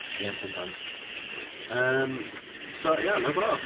Ie bendant. Yym so ia, 'na fo!